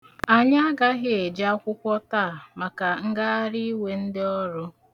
Anyị agaghị eje akwụkwọ taa maka ngagharịiwe ndị ọrụ.